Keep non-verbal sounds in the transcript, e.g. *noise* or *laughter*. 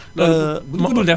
*hesitation* buñu ko dul def